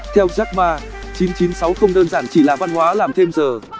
theo jack ma không đơn giản chỉ là văn hóa làm thêm giờ